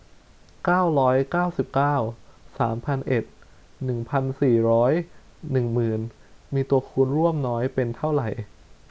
เก้าร้อยเก้าสิบเก้าสามพันเอ็ดหนึ่งพันสี่ร้อยหนึ่งหมื่นมีตัวคูณร่วมน้อยเป็นเท่าไหร่